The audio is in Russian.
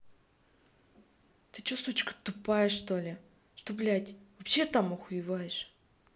ты че сучка тупая что ли что блядь вообще там охуеваешь